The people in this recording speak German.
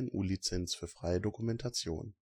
GNU Lizenz für freie Dokumentation